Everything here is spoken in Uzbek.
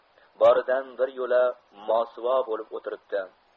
boridan bir yo'la mosuvo bo'lib o'tiribdi